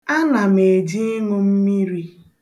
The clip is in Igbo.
Ana m eje ịṅụ mmiri.